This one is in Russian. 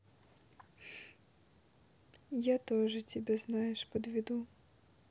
я тоже тебя знаешь подведу